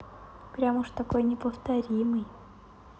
прям уж такой неповторимый